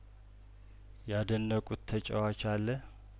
ያደነቁት ተጨዋች አለ